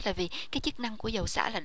là vì cái chức năng của dầu xả